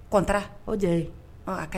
Contra o jɔ yen. Ɔn a ka ɲi.